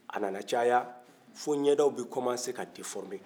a na na caya fo ɲɛda b'i commencer ka deformer